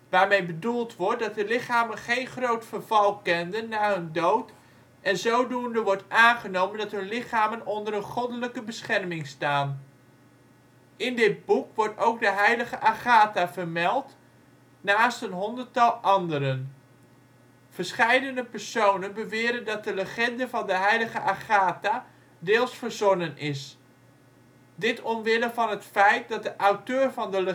waarmee bedoeld wordt dat de lichamen geen groot verval kenden na hun dood en zodoende wordt aangenomen dat hun lichamen onder een goddelijke bescherming staan. In dit boek wordt ook de heilige Agatha vermeld, naast een honderdtal anderen. Verscheidene personen beweren dat de legende van de heilige Agatha deels verzonnen is. Dit omwille van het feit dat de auteur